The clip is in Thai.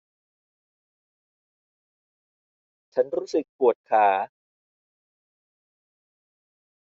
ฉันรู้สึกปวดขา